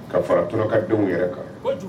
Ka fara Tunɔ ka denw yɛrɛ kan koju